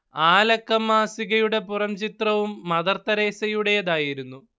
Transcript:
ആ ലക്കം മാസികയുടെ പുറംചിത്രവും മദർതെരേസയുടേതായിരുന്നു